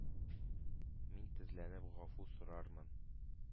Мин тезләнеп гафу сорармын.